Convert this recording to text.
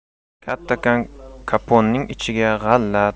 kattakon kopponning ichiga g'alla